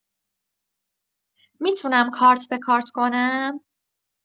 می‌تونم کارت‌به‌کارت کنم؟